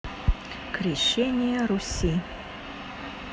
крещение руси